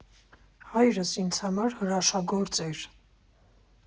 Հայրս ինձ համար հրաշագործ էր։